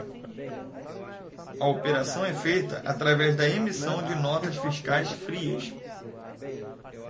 a operação é feita através da emissão de notas fiscais frias